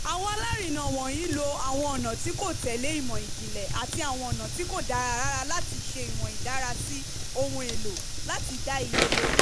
Àwọn alárinnà wọ̀nyìí lo àwọn ọ̀nà tí kò tẹ̀lé ìmọ̀-ìjìnlẹ̀ àti àwọn ọ̀nà tí kò dára rárá láti ṣe ìwọ̀n ìdárasí ohun èlò láti dá iye lé e.